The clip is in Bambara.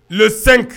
Le 5.